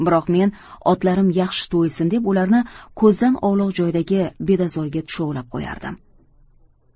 biroq men otlarim yaxshi to'ysin deb ularni ko'zdan ovloq joydagi bedazorga tushovlab qo'yardim